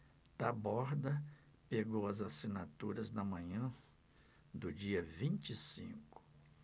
taborda pegou as assinaturas na manhã do dia vinte e cinco